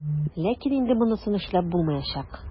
Ләкин инде монысын эшләп булмаячак.